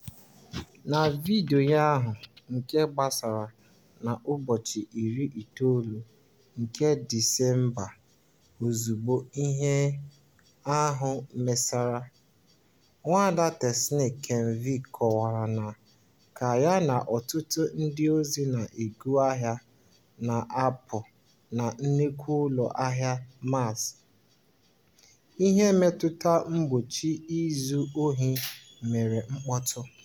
Na vidiyo ahụ, nke gbasara n'ụbọchị 29 nke Disemba ozugbo ihe ahụ mesịrị, NwaadaTasić Knežević kọwara na ka ya na ọtụtụ ndị ọzọ na-ego ahịa na-apụ na nnukwu ụlọ ahịa Maxi, ihe mmetụta mgbochi izu ohi mere mkpọtụ.